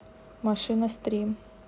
машина стрим